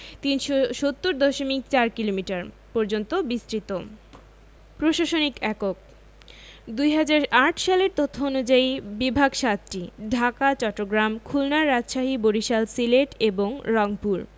৩৭০ দশমিক ৪ কিলোমিটার পর্যন্ত বিস্তৃত প্রশাসনিক এককঃ ২০০৮ সালের তথ্য অনুযায়ী বিভাগ ৭টি ঢাকা চট্টগ্রাম খুলনা রাজশাহী বরিশাল সিলেট এবং রংপুর